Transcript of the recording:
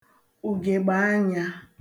ùgègbàanyā